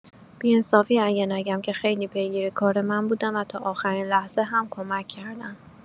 بی انصافیه اگه نگم که خیلی پیگیر کار من بودن و تا آخرین لحظه هم کمک کردن.